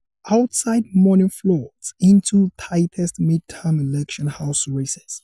Outside money floods into tightest midterm election House races